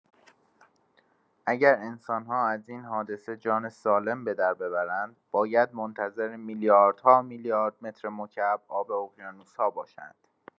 اگر انسان‌ها از این حادثه جان سالم به‌درببرند، باید منتظر میلیاردها میلیارد مترمکعب آب اقیانوس‌ها باشند.